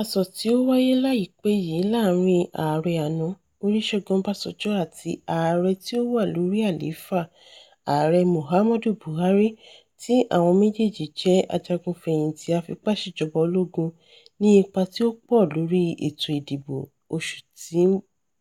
Asọ̀ tí ó wáyé láìpẹ́ yìí láàárín Ààrẹ àná, Olúsẹ́gun Ọbásanjọ́ àti Ààrẹ tí ó wà lórí àlééfà, Ààrẹ Muhammadu Buhari – tí àwọn méjèèjì jẹ́ ajagun fẹ̀yìntì afipásèjọba ológun –ní ipa tí ó pọ̀ lórí ètò ìdìbò oṣù tí